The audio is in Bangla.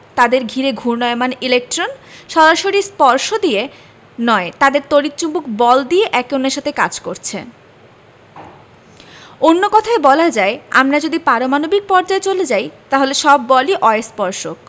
তাদের ঘিরে ঘূর্ণায়মান ইলেকট্রন সরাসরি স্পর্শ দিয়ে নয় তাদের তড়িৎ চৌম্বক বল দিয়ে একে অন্যের সাথে কাজ করছে অন্য কথায় বলা যায় আমরা যদি পারমাণবিক পর্যায়ে চলে যাই তাহলে সব বলই অস্পর্শক